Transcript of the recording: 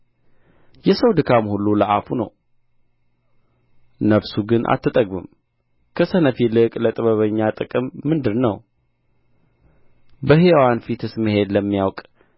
የሰው ድካም ሁሉ ለአፉ ነው ነፍሱ ግን አትጠግብም ከሰነፍ ይልቅ ለጥበበኛ ጥቅም ምንድር ነው በሕያዋን ፊትስ መሄድ ለሚያውቅ